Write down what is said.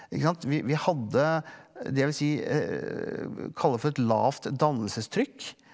ikke sant vi vi hadde det jeg vil si kalle for et lavt dannelsestrykk.